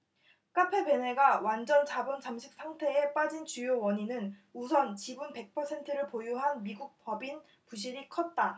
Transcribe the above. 카페베네가 완전자본잠식 상태에 빠진 주요 원인은 우선 지분 백 퍼센트를 보유한 미국법인 부실이 컸다